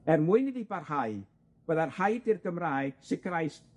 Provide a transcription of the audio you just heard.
Er mwyn iddi barhau, byddai rhaid i'r Gymraeg sicrhau s-